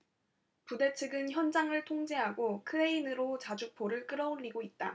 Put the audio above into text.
부대 측은 현장을 통제하고 크레인으로 자주포를 끌어올리고 있다